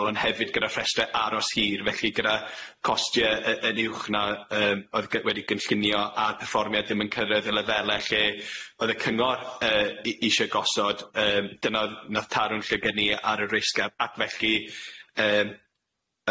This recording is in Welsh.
Ond hefyd gyda rhestre aros hir felly, gyda costie yy yn uwch 'na yym o'dd gy- wedi gynllunio a perfformiad ddim yn cyrraedd y lefele lle o'dd y cyngor yy i- isie gosod yym dyna o'dd nath tarwn llygad ni ar y risg a ac felly yym